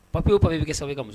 Papiyopi bɛ kɛ sababu ka